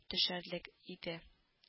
Төшәрлек иде